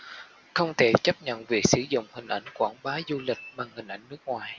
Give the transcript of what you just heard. không thể chấp nhận việc sử dụng hình ảnh quảng bá du lịch bằng hình ảnh nước ngoài